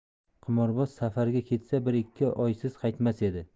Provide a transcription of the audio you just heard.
qimorboz safar ga ketsa bir ikki oysiz qaytmas edi